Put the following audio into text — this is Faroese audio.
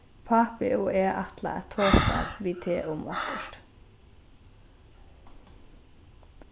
pápi og eg ætla at tosa við teg um okkurt